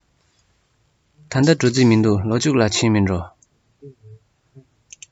ད ལྟ འགྲོ རྩིས མི འདུག ལོ མཇུག ལ ཕྱིན མིན འགྲོ